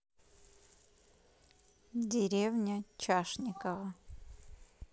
деревня чашниково